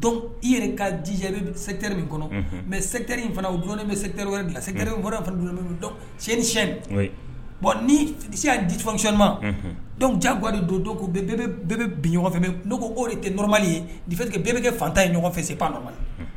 dɔn i yɛrɛ ka di bɛ sɛtere min kɔnɔ mɛ sɛteri in fana o dɔnɔni bɛ sɛ wɛrɛ la sɛgɛrɛ wɛrɛ fana dɔn siyɛn nicyɛn bɔn ni diya difayma dɔn ca gaadi don don ko bɛ bi ɲɔgɔnɔgɔfɛ n ko oo de tɛ nɔrɔmamani yefeke bɛɛ bɛ kɛ fantan ye ɲɔgɔn fɛ se' nɔ ye